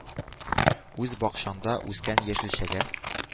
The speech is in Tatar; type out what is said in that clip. “үз бакчаңда үскән яшелчәгә